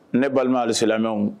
Ne balima hali silamɛmɛ